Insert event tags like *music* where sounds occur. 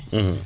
*hesitation* *hesitation*